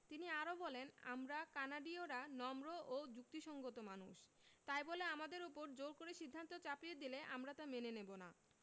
তিনি আরও বলেন আমরা কানাডীয়রা নম্র ও যুক্তিসংগত মানুষ তাই বলে আমাদের ওপর জোর করে সিদ্ধান্ত চাপিয়ে দিলে আমরা তা মেনে নেব না